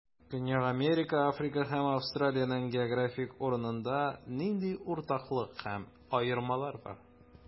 Көньяк Америка, Африка һәм Австралиянең географик урынында нинди уртаклык һәм аермалар бар?